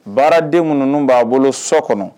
Baaradenw minnu b'a bolo so kɔnɔ